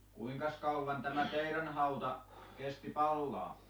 kuinkas kauan tämä teidän hauta kesti palaa